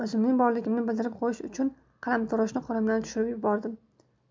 o'zimning borligimni bildirib qo'yish uchun qalamtaroshni qo'limdan tushirib yubordim